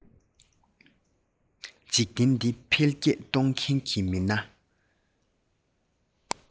འཇིག རྟེན འདི འཕེལ རྒྱས གཏོང མཁན གྱི མི སྣ